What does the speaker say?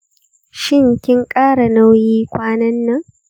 shin, kin ƙara nauyi kwanan nan?